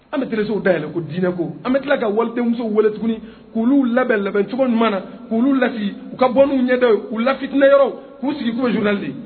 An bɛ tresow da yɛlɛ ko dinɛ ko an bɛ tila ka warimuso wɛrɛ tuguni k'olu labɛn labɛncogo ɲuman na k'olu laki u ka bɔ'u ɲɛda u lakitinɛ yɔrɔ k'u sigi k'uzu de